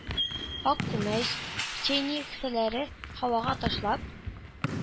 Ак күмәч, печение кисәкләре һавага ташлап,